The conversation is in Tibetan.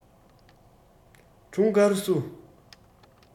འཁྲུངས སྐར བསུ